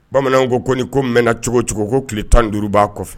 Bamananw ko ko ko mɛnna cogo cogo ko tile 15 b'a kɔfɛ.